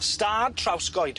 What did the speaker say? Stad Trawsgoed.